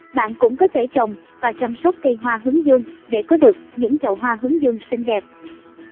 bạn cũng có thể trồng và chăm sóc cây hoa hướng dương để có được những chậu hoa hướng dương xinh đẹp